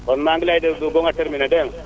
kon maa ngi lay déglu ba nga terminé dégg nga